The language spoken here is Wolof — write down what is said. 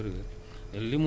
Serigne Bara jërëjëf